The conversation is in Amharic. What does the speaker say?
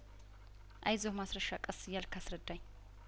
አይዞህ ማስረሻ ቀስ እያልክ አስረዳኝ